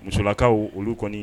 Musolakaw olu kɔni